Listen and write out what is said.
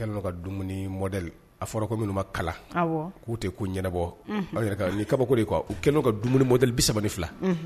Tellement que a dumunii model a fɔra ko minnu ma kalan awɔ k'u te ko ɲɛnabɔ unhun aw yɛrɛ kaa nin ye kabako de ye quoi u kɛnbɛ ka dumuni model 32 unhun